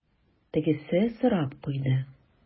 Тегесе сорап куйды: